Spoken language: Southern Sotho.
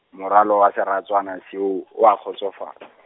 moralo wa seratswana seo, oa kgotsofa- .